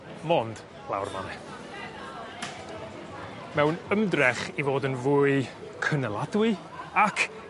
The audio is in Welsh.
mond law'r man 'ne. Mewn ymdrech i fod yn fwy cyneladwy ac